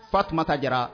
Fatuma ta jara